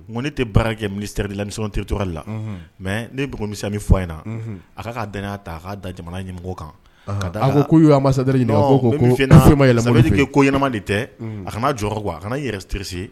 Ko ne tɛ baarajɛ minireri lami tere toli la mɛ nemimi fɔ in na a ka ka d ta k'a da jamana ɲɛ kan ka taa ko'a yɛlɛma ko ɲɛnama de tɛ a kana jɔ kuwa a kana yɛrɛtirierese